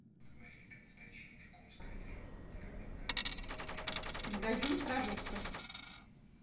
магазин продуктов